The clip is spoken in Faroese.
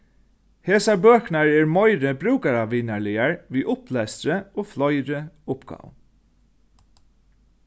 hesar bøkurnar eru meiri brúkaravinarligar við upplestri og fleiri uppgávum